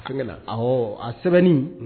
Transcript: An kɛnan, awɔɔ a sɛbɛnni